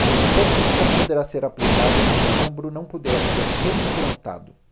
a técnica poderá ser aplicada se o membro não puder ser reimplantado